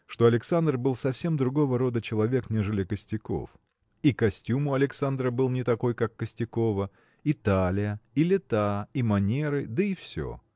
что Александр был совсем другого рода человек нежели Костяков. И костюм Александра был не такой как Костякова и талия и лета и манеры да и все.